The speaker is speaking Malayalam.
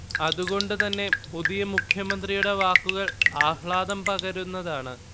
അതുകൊണ്ടുതന്നെ പുതിയ മുഖ്യമന്ത്രിയുടെ വാക്കുകൾ ആഹ്ലാദം പകരുന്നതാണ്